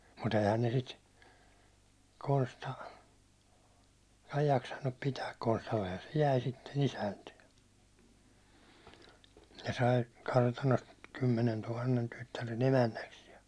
mutta eihän ne sitä Konsta ei jaksanut pitää Konstallehan se jäi sitten isäntye se sai kartanosta kymmenentuhannen tyttären emännäksi ja